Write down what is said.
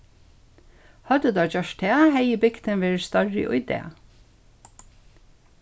høvdu teir gjørt tað hevði bygdin verið størri í dag